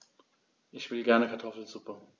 Ich will gerne Kartoffelsuppe.